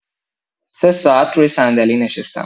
سه ساعت روی صندلی نشستم.